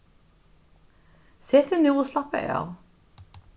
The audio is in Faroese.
set teg nú og slappa av